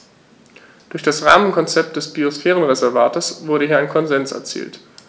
Durch das Rahmenkonzept des Biosphärenreservates wurde hier ein Konsens erzielt.